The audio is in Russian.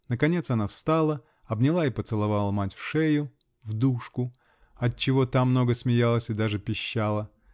наконец она встала, обняла и поцеловала мать в шею -- в "душку", отчего та много смеялась и даже пищала.